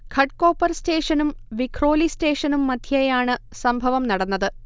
ഘട്കോപർ സ്റ്റേഷനും വിഖ്രോലി സ്റ്റേഷനും മധ്യേയാണ് സംഭവം നടന്നത്